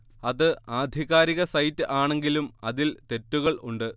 അത് ആധികാരിക സൈറ്റ് ആണെങ്കിലും അതിൽ തെറ്റുകൾ ഉണ്ട്